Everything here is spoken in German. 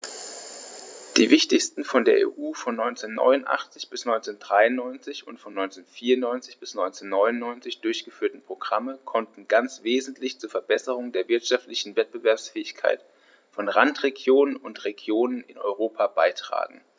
Die wichtigsten von der EU von 1989 bis 1993 und von 1994 bis 1999 durchgeführten Programme konnten ganz wesentlich zur Verbesserung der wirtschaftlichen Wettbewerbsfähigkeit von Randregionen und Regionen in Europa beitragen.